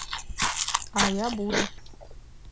а я буду